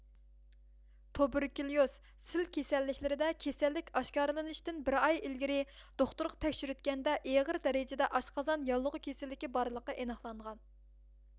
توبىركېليۇز سىل كېسەللىكلىرىدە كېسەللىك ئاشكارىلىنىشتىن بىر ئاي ئىلگىرى دوختۇرغا تەكشۈرتكەندە ئېغىر دەرىجىدە ئاشقازان ياللوغى كېسەللىكى بارلىقى ئېنىقلانغان